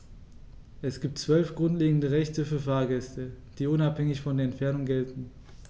Es gibt 12 grundlegende Rechte für Fahrgäste, die unabhängig von der Entfernung gelten.